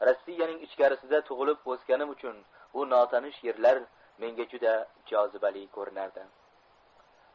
rossiyaning ichkarisida tug'ilib o'sganim uchun u notanish yerlar menga juda jozibali ko'rinardi